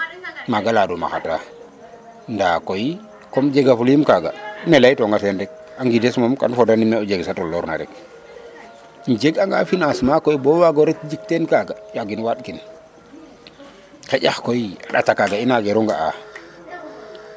maga ladum a xata nda koy comme jega fulim kaga comme ne ley tonga teen rek a ŋides moom kam foda nin ne o jegesa toloor na rek im jeg anga financement koy bo wago ret jik teen kaga yagim waaɗ kin xaƴa koy a ndata kaga i nangeru ŋa a